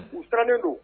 U taalen dun